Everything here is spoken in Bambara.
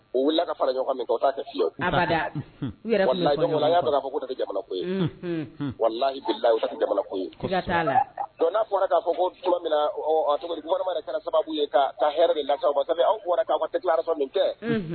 U weele a ka fara ɲɔgɔn ka mais u taa kɛ fiyew, abada donc ola an y'a don k'a fɔ u ta jamana ko ye, unhun, wallahi billahi _ u ta tɛ jamana ko ye, sika t'a la, donc n'a fɔra k'a fɔ kuma min na tɔgɔ di, a gouvernement yɛrɛ kɛ la sababu ye hɛrɛ de lase aw ma ça fait aw bɔra ka